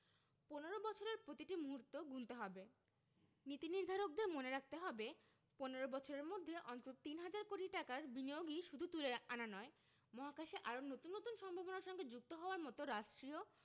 ১৫ বছরের প্রতিটি মুহূর্ত গুনতে হবে নীতিনির্ধারকদের মনে রাখতে হবে ১৫ বছরের মধ্যে অন্তত তিন হাজার কোটি টাকার বিনিয়োগই শুধু তুলে আনা নয় মহাকাশে আরও নতুন নতুন সম্ভাবনার সঙ্গে যুক্ত হওয়ার মতো রাষ্ট্রীয়